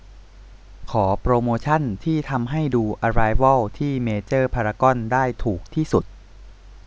ขอโปรโมชันที่ทำให้ดูอะไรวอลที่เมเจอร์พารากอนได้ถูกที่สุด